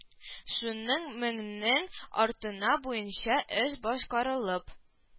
Шуның меңнән артына буенча эш башкарылып